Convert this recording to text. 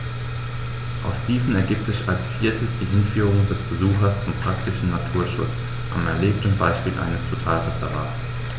Aus diesen ergibt sich als viertes die Hinführung des Besuchers zum praktischen Naturschutz am erlebten Beispiel eines Totalreservats.